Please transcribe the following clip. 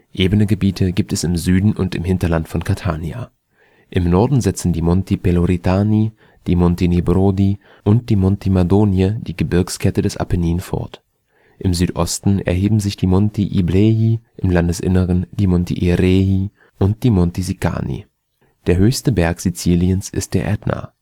Ebene Gebiete gibt es im Süden und im Hinterland von Catania. Im Norden setzen die Monti Peloritani, die Monti Nebrodi und die Monti Madonie die Gebirgskette des Apennin fort. Im Südosten erheben sich die Monti Iblei, im Landesinneren die Monti Erei und die Monti Sicani. Der Vulkan Ätna im Winter Der höchste Berg Siziliens ist der Ätna